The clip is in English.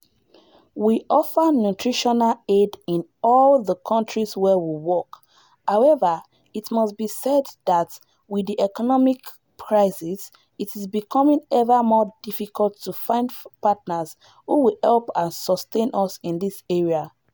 We offer nutritional aid in all the countries where we work, however, it must be said that with the economic crisis it is becoming ever more difficult to find partners who will help and sustain us in this area.